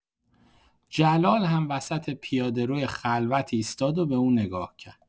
جلال هم وسط پیاده‌روی خلوت ایستاد و به او نگاه کرد.